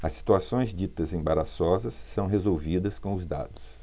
as situações ditas embaraçosas são resolvidas com os dados